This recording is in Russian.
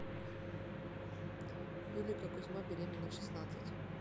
юлика кузьма беременна в шестнадцать